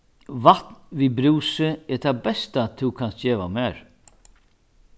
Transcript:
vatn við brúsi er tað besta tú kanst geva mær